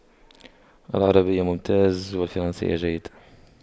العربية ممتاز والفرنسية جيد